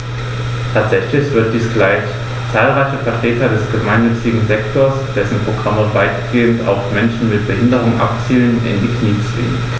Tatsächlich wird dies gleich zahlreiche Vertreter des gemeinnützigen Sektors - dessen Programme weitgehend auf Menschen mit Behinderung abzielen - in die Knie zwingen.